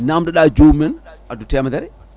namdoɗa jomum en addu temedere